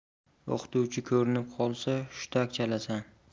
o'qituvchi ko'rinib qolsa hushtak chalasan